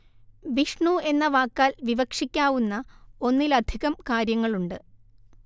വിഷ്ണു എന്ന വാക്കാൽ വിവക്ഷിക്കാവുന്ന ഒന്നിലധികം കാര്യങ്ങളുണ്ട്